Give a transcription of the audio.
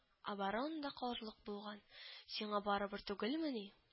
Оборонада калырлык булган, сиңа барыбер түгелмени